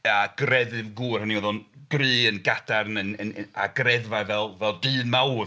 A greddf gwr, hynny yw oedd o'n gryf yn cadarn yn yn... a greddfau fel fel dyn mawr.